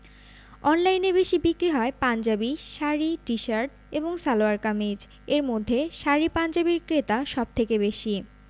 অনলাইনে বেশি বিক্রি হয় পাঞ্জাবি শাড়ি টি শার্ট এবং সালোয়ার কামিজ এর মধ্যে শাড়ি পাঞ্জাবির ক্রেতা সব থেকে বেশি